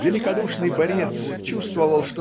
Великодушный борец чувствовал